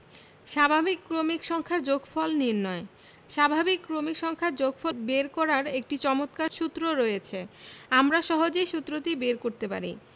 স্বাভাবিক ক্রমিক সংখ্যার যোগফল নির্ণয় স্বাভাবিক ক্রমিক সংখ্যার যোগফল বের করার একটি চমৎকার সূত্র রয়েছে আমরা সহজেই সুত্রটি বের করতে পারি